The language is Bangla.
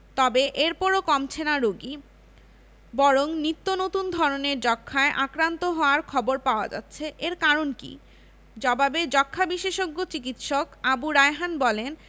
তবে এরপরও কমছে না রোগী বরং নিত্যনতুন ধরনের যক্ষ্মায় আক্রান্ত হওয়ার খবর পাওয়া যাচ্ছে এর কারণ কী জবাবে যক্ষ্মা বিশেষজ্ঞ চিকিৎসক আবু রায়হান বলেন